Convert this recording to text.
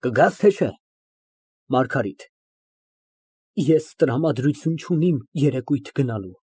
Կգա՞ս, թե չէ։ ՄԱՐԳԱՐԻՏ ֊ Ես տրամադրություն չունիմ երեկույթ գնալու։